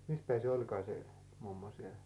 missä päin se olikaan se mummo siellä